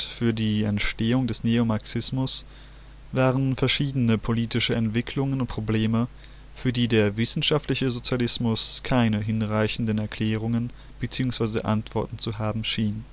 für die Entstehung des Neomarxismus waren verschiedene politische Entwicklungen und Probleme, für die der „ Wissenschaftliche Sozialismus “keine hinreichenden Erklärungen bzw. Antworten zu haben schien